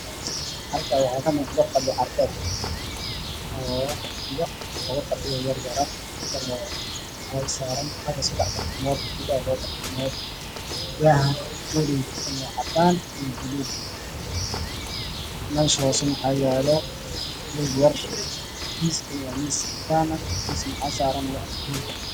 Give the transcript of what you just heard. Beeshan waa qol caddaan ah waxaan yaalo fadhi fadhilkiisa waa buluug waxay horyaalo miis cadaan ah